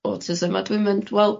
autism a dwi'n mynd wel